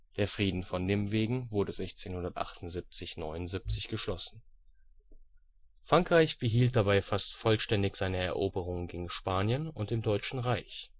Der Frieden von Nimwegen wurde 1678 / 79 geschlossen. Frankreich behielt dabei fast vollständig seine Eroberungen gegen Spanien und im Deutschen Reich